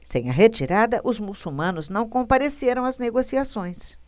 sem a retirada os muçulmanos não compareceram às negociações